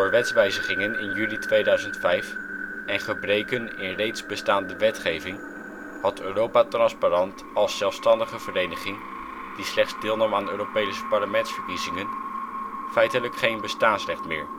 wetswijzigingen in juli 2005 en gebreken in reeds bestaande wetgeving had Europa Transparant als zelfstandige vereniging die slechts deelnam aan Europese Parlementsverkiezingen feitelijk geen bestaansrecht meer